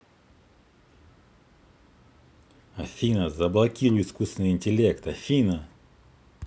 афина заблокируй искусственный интеллект афина